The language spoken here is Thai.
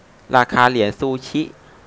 ราคาเหรียญซูชิ